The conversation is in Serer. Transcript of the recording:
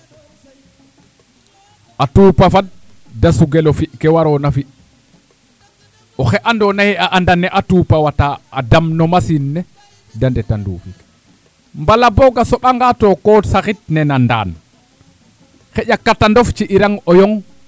a tuupa fad da sugel fi kee warona fi' oxe andoona yee a anda ne a tup a wataa a dam no machine ne de ndeta nduufik mbala book a soɓanga too ko saxid nena ndaan xaƴa katanof ci'irang o yong